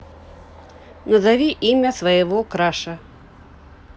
назови имя своего краша